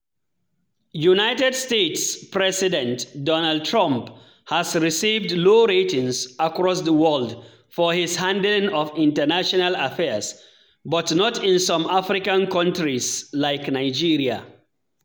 United States President Donald Trump has received low ratings across the world for his handling of international affairs — but not in some African countries like Nigeria.